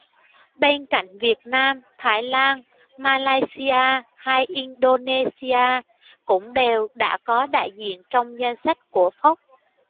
bên cạnh việt nam thái lan malaysia hay indonesia cũng đều đã có đại diện trong danh sách của forbes